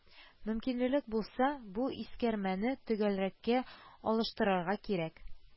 Мөмкинлек булса, бу искәрмәне төгәлрәккә алыштырырга кирәк